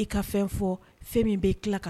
Ka fɛn fɔ fɛn min bɛ tila ka